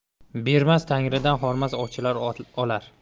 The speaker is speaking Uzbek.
bermas tangridan hormas ovchi olar